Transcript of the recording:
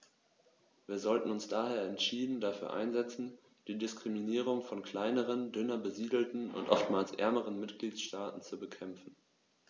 Wir sollten uns daher entschieden dafür einsetzen, die Diskriminierung von kleineren, dünner besiedelten und oftmals ärmeren Mitgliedstaaten zu bekämpfen.